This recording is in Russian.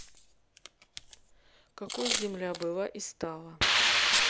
какой земля была и стала